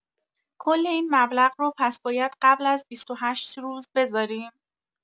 کل این مبلغ رو پس باید قبل از ۲۸ روز بذاریم؟